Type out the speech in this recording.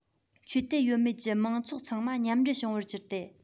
ཆོས དད ཡོད མེད ཀྱི མང ཚོགས ཚང མ མཉམ འབྲེལ བྱུང བར གྱུར ཏེ